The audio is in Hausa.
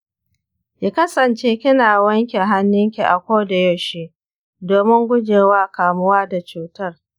ki kasance kina wamke hannun ki a koda yaushe domin gujewa kamuwa da cutar.